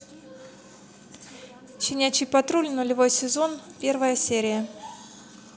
щенячий патруль нулевой сезон первая серия